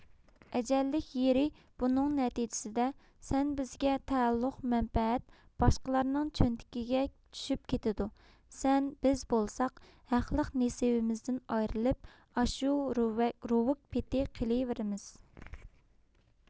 ئەجەللىك يېرى بۇنىڭ نەتىجىسىدە سەن بىزگە تەئەللۇق مەنپەئەت باشقىلارنىڭ چۆنتىكىگە چۈشۈپ كېتىدۇ سەن بىز بولساق ھەقلىق نېسىۋىمىزدىن ئايرىلىپ ئاشۇ روۋۇك پېتى قېلىۋېرىمىز